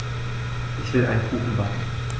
Ich will einen Kuchen backen.